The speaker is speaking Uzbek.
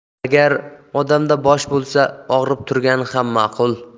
agar odamda bosh bo'lsa og'rib turgani ham maqul